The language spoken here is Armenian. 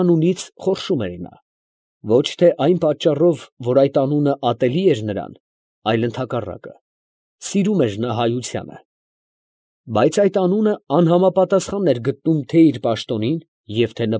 Անունից խորշում էր նա, ոչ թե այն պատճառով, որ այդ անունը ատելի էր նրան, այլ ընդհակառակն, սիրում էր նա հայությունը, ֊ բայց այդ անունը անհամապատասխան էր գտնում թե՛ իր պաշտոնին և թե՛